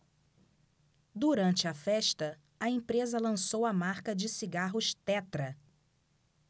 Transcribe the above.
durante a festa a empresa lançou a marca de cigarros tetra